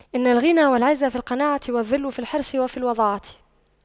إن الغنى والعز في القناعة والذل في الحرص وفي الوضاعة